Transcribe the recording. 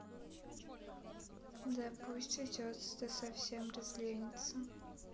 да пусть идет это совсем разленится